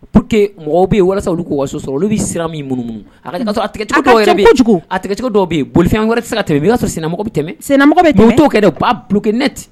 Pour que mɔgɔw bɛ yen walasa olu k'u ka so sɔrɔ olu bɛ siran min munumunu bolifɛn wɛrɛ tɛ se ka tɛmɛ i b'a sɔrɔ sennamɔgɔw bɛ tɛmɛ, sennamɔgɔ bɛ tɛmɛ, mais u t'o kɛ dɛ u b'a bloqué net